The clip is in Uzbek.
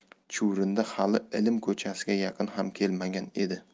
chuvrindi hali ilm ko'chasiga yaqin ham kelmagan edi